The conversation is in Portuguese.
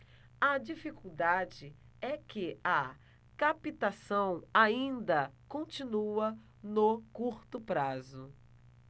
a dificuldade é que a captação ainda continua no curto prazo